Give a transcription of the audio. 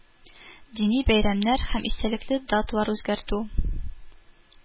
Дини бәйрәмнәр һәм истәлекле даталар үзгәртү